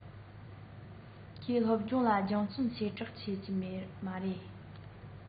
ཁོས སློབ སྦྱོང ལ སྦྱང བརྩོན ཞེ དྲགས བྱེད ཀྱི མ རེད